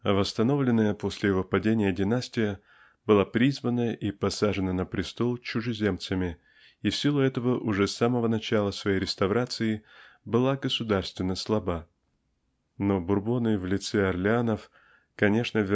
а восстановленная после его падения династия была призвана и посажена на престол чужеземцами и в силу этого уже с самого начала своей реставрации была государственно слаба. Но Бурбоны в лице Орлеанов конечно